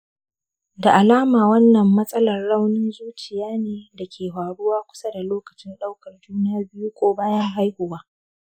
da alama wannan wata matsalar raunin zuciya ce da ke faruwa kusa da lokacin ɗaukar juna biyu ko bayan haihuwa.